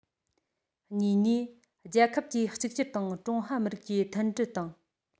གཉིས ནས རྒྱལ ཁབ ཀྱི གཅིག གྱུར དང ཀྲུང ཧྭ མི རིགས ཀྱི མཐུན སྒྲིལ དང